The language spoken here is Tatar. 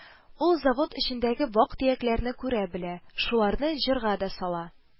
Ул завод эчендәге вак-төякләрне күрә белә, шуларны җырга да сала